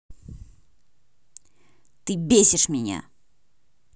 ты бесишь меня